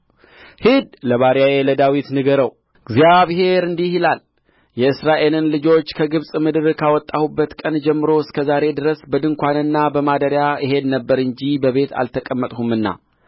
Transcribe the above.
ሂድ ለባሪያዬ ለዳዊት ንገረው እግዚአብሔር እንዲህ ይላል የእስራኤልን ልጆች ከግብጽ ምድር ካወጣሁበት ቀን ጀምሮ እስከ ዛሬ ድረስ በድንኳንና በማደሪያ እሄድ ነበር እንጂ በቤት አልተቀመጥሁምና